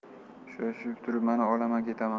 shoshib turibman olamanu ketaman